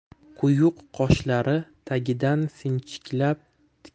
quyuq qoshlari tagidan sinchiklab